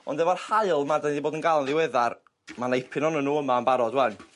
ond efo'r haul 'ma 'dyn ni 'di bod yn ga'l yn ddiweddar, ma' neipyn onnon nw yma yn barod ŵan.